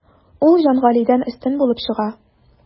Ул Җангалидән өстен булып чыга.